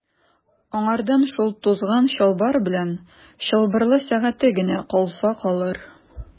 Аңардан шул тузган чалбар белән чылбырлы сәгате генә калса калыр.